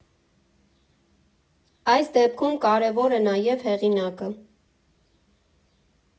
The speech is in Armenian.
Այս դեպքում կարևոր է նաև հեղինակը.